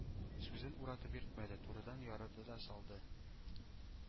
Сүзен уратып йөртмәде, турыдан ярды да салды: